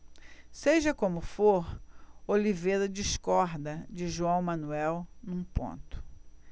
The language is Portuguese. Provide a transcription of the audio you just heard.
seja como for oliveira discorda de joão manuel num ponto